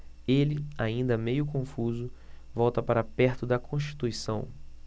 ele ainda meio confuso volta para perto de constituição